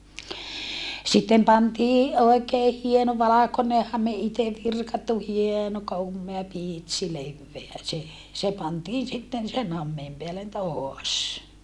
sitten pantiin oikein hieno valkoinen hame itse virkattu hieno komea pitsi leveä se se pantiin sitten sen hameen päälle taas